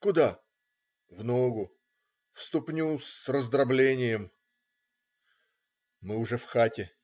Куда?" - "В ногу, в ступню, с раздроблением!" Мы уже в хате.